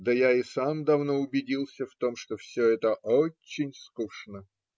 Да я и сам давно убедился в том, что все это очень скучно.